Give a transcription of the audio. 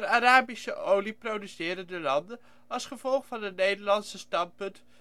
Arabische olieproducerende landen als gevolg van het Nederlandse standpunt